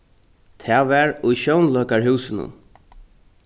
tað var í sjónleikarhúsinum